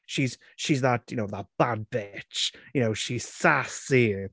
She's she's that, you know, that bad bitch. You know? She's sassy.